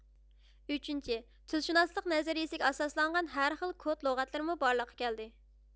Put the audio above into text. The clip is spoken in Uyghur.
ئۈچىنچى تىلشۇناسلىق نەزەرىيىسىگە ئاساسلانغان ھەرخىل كود لۇغەتلىرىمۇ بارلىققا كەلدى